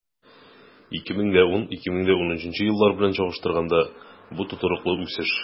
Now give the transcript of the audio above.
2010-2013 еллар белән чагыштырганда, бу тотрыклы үсеш.